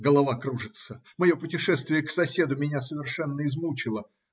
Голова кружится; мое путешествие к соседу меня совершенно измучило.